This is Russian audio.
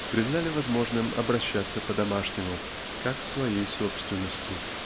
признали возможным обращаться по-домашнему как с своей собственностью.